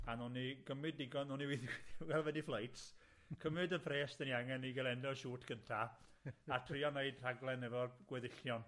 a nown ni gymryd digon, wedi flights, cymryd y pres 'dan ni angen i gael end o' shoot gynta, a trio wneud rhaglen efo'r gweddillion.